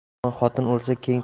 yomon xotin o'lsa keng to'shak qolar